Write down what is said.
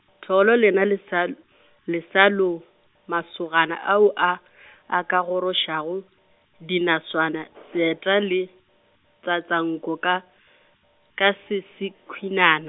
Tholo le yena le sa l- , le sa lo masogana ao a, a ka gorošago, dinaswana, seeta le, di tsatsanka ka, ka se sekhwinana.